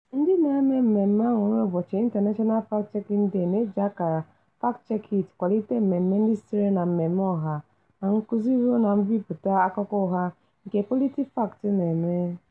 Ndị na-eme mmemme aṅurị ụbọchị International Fact-Checking Day na-eji akara #FactCheckIt kwalite mmemme ndị sitere na mmemme ọha na nkụzi ruo na mbipụta akụkọ ụgha nke PolitiFact na-eme.